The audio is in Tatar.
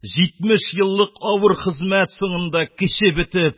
Җитмеш еллык авыр хезмәт соңында көче бетеп,